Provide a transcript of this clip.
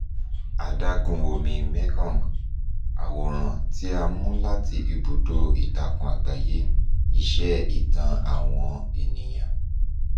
Adágún omi Mekong. Àwòrán tí a mú láti Ibùdó-ìtàkùn-àgbáyé iṣẹ́ Ìtàn Àwọn Ènìyàn.